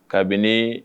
Kabini